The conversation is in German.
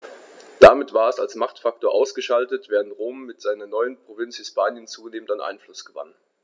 Damit war es als Machtfaktor ausgeschaltet, während Rom mit seiner neuen Provinz Hispanien zunehmend an Einfluss gewann.